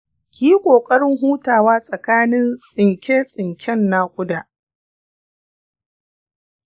ki yi ƙoƙarin hutawa tsakanin tsinke-tsinken nakuda.